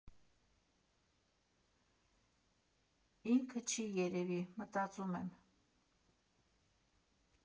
Ինքը չի երևի՝ մտածում եմ։